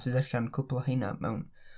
Ti'n gallu darllan cwpwl o heina mewn...